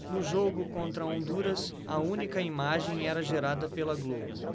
no jogo contra honduras a única imagem era gerada pela globo